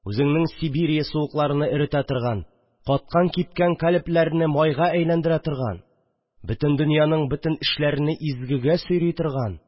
Үзеңнең Сибирия суыкларыны эретә торган, каткан-кипкән калебләрне майга әйләндерә торган, бөтен дөньяның бөтен эшләрене изгегә сөйри торган